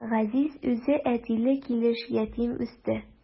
Газиз үзе әтиле килеш ятим үсте.